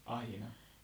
aina